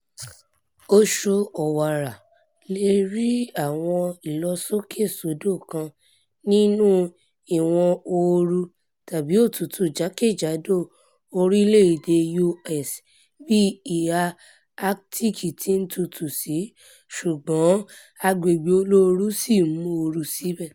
Oṣù Ọ̀wàrà leè rí àwọn ìlọsókè-sódò kan nínú ìwọn ooru tàbi otútú jákè-jádò orílẹ̀-èdè U.S. bí ìhà Arctic tí ń tutù síi, ṣùgbọ́n agbègbè olóoru sì m'óoru síbẹ̀.